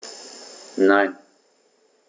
Nein.